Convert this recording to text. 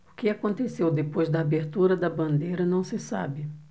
o que aconteceu depois da abertura da bandeira não se sabe